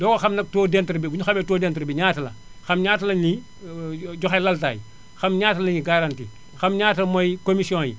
doog a xam nag taux d' interet bi buénu xamee taux d' interet bi énaata la xam ñaata lañuy joxe laytaay xam ñaata lañuy garanti xam ñaata mooy commission yi